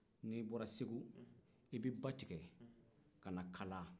n'i bɔra segu i bɛ ba tigɛ ka na kala